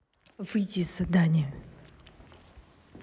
выйди из задание